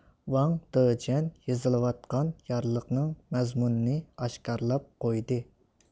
ۋاڭ دېجيەن يېزىلىۋاتقان يارلىقنىڭ مەزمۇننى ئاشكارلاپ قويدى